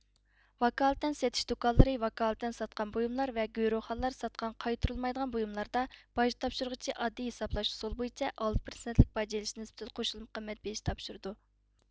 ۋاكالىتەن سېتىش دۇكانلىرى ۋاكالىتەن ساتقان بويۇملار ۋە گۆرۆخانىلار ساتقان قايتۇرۇلمايدىغان بۇيۇملاردا باج تاپشۇرغۇچى ئاددىي ھېسابلاش ئۇسۇلى بويىچە ئالتە پىرسەنتلىك باج ئېلىش نىسبىتىدە قوشۇلما قىممەت بېجى تاپشۇرىدۇ